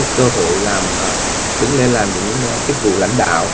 cơ hội làm mà đứng lên làm những chức vụ lãnh đạo